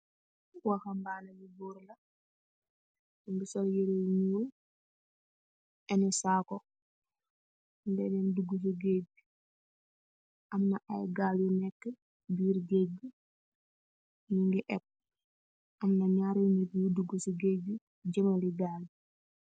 Wahambanex bu goor laax mukeh sol yerex yu null anu sagoh di duguh si keg bi amna ay gal yi neeh kaah si gegbex nu keh ebb emna jarex net yu dugax si kagbi juromi gal.